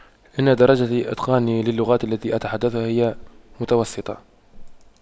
إن درجة اتقاني للغات التي أتحدثها هي متوسطة